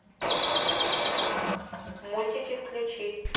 мультики включи